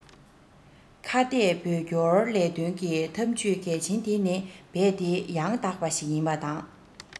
ཁ གཏད བོད སྐྱོར ལས དོན གྱི ཐབས ཇུས གལ ཆེན དེ ནི རྦད དེ ཡང དག པ ཞིག ཡིན པ དང